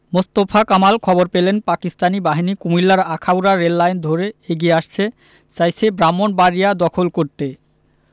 মোস্তফা কামাল খবর পেলেন পাকিস্তানি বাহিনী কুমিল্লার আখাউড়া রেললাইন ধরে এগিয়ে আসছে চাইছে ব্রাহ্মনবাড়িয়া দখল করতে